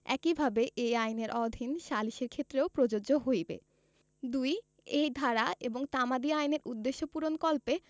একইভাবে এই আইনের অধীন সালিসের ক্ষেত্রেও প্রযোজ্য হইবে ২ এই ধারা এবং তামাদি আইনের উদ্দেশ্য পূরণকল্পে